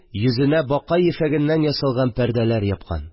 Йөзенә бака ефәгеннән ясалган пәрдәләр япкан